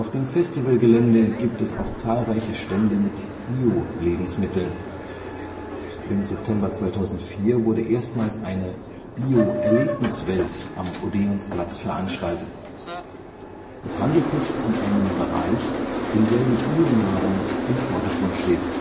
dem Festivalgelände gibt es auch zahlreiche Stände mit Bio-Lebensmitteln. Im September 2004 wurde erstmals eine „ Bio-Erlebniswelt “am Odeonsplatz veranstaltet. Es handelt sich um einen Bereich, in der die Bionahrung im Vordergrund steht